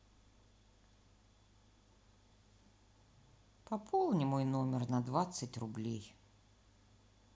пополни мой номер на двадцать рублей